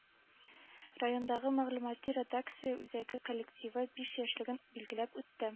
Райондагы мәгълүмати-редакция үзәге коллективы биш яшьлеген билгеләп үтте